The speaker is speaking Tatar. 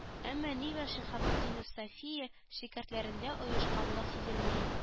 Әмма нива шиһабеддинов сафия шикәртләрендә оешканлык сизелми